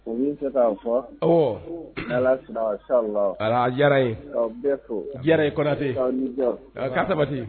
Ɔ n bɛ fɛ k'a fɔ, awɔ n'Ala sɔnna salahu, a diyara n ye, k'aw bɛɛ fo, a diyara n ye kɔnatɛ, k'a sabati